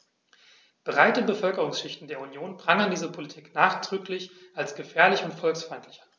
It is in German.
Breite Bevölkerungsschichten der Union prangern diese Politik nachdrücklich als gefährlich und volksfeindlich an.